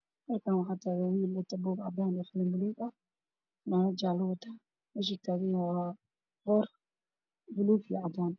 Meeshaan waxaa yaalo khudaar aad u fara badan oo ay ka mid yihiin cambe qare iyo liin